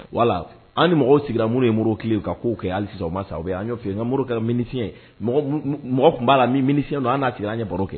Wala an mɔgɔ sigira minnu ye muru kelen ka'o kɛ hali sisan o ma sa aw bɛ an fiyɛn muru kɛra miniyɛn mɔgɔ tun b'a ni miniy don an'a siri an ɲɛ baro kɛ